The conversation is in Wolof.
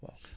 waaw